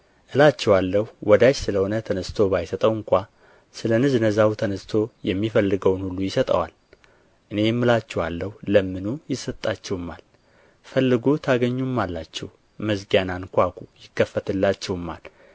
እላችኋለሁ ወዳጅ ስለ ሆነ ተነሥቶ ባይሰጠው እንኳ ስለ ንዝነዛው ተነስቶ የሚፈልገውን ሁሉ ይሰጠዋል እኔም እላችኋለሁ ለምኑ ይሰጣችሁማል ፈልጉ ታገኙማላችሁ መዝጊያን አንኳኩ ይከፍትላችሁማል